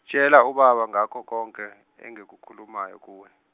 tshela ubaba ngakho konke engikukhuluma yo kuwe.